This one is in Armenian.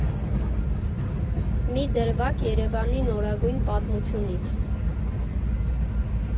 Մի դրվագ Երևանի նորագույն պատմությունից։